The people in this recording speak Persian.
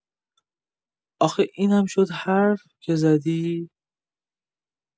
آخه اینم شد حرف که زدی؟!